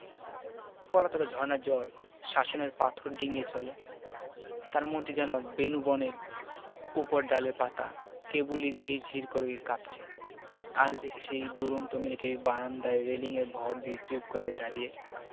পলাতকা ঝরনার জল শাসনের পাথর ডিঙ্গিয়ে চলে তার মনটি যেন বেনূবনের উপরডালের পাতা কেবলি ঝির ঝির করে কাঁপছে আজ দেখি সেই দূরন্ত মেয়েটি বারান্দায় রেলিঙে ভর দিয়ে চুপ করে দাঁড়িয়ে